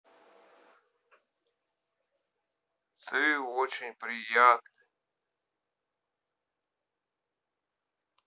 ты очень приятный